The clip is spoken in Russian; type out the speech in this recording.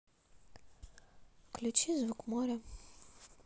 включи звук моря